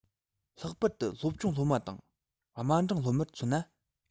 ལྷག པར དུ སློབ ཆུང སློབ མ དང དམའ འབྲིང སློབ མར མཚོན ན